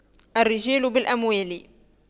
الرجال بالأموال